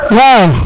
waaw